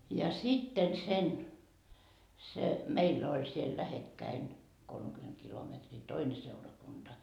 ja sitten sen se meillä oli siellä lähekkäin kolmekymmentä kilometriä toinen seurakunta